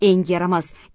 eng yaramas